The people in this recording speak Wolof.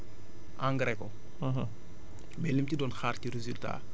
parce que parfois nit sax dina jël toolam engrais ko